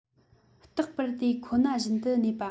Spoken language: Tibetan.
རྟག པར དེ ཁོ ན བཞིན དུ གནས པ